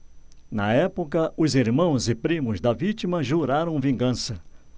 na época os irmãos e primos da vítima juraram vingança